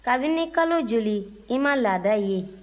kabini kalo joli i ma laada ye